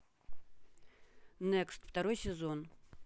некст второй сезон